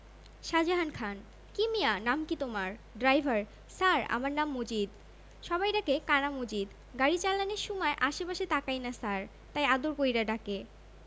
শাজাহান খান কি মিয়া নাম কি তোমার ড্রাইভার ছার আমার নাম মজিদ সবাই ডাকে কানা মজিদ গাড়ি চালানের সুমায় আশে পাশে তাকাইনা ছার তাই আদর কইরা ডাকে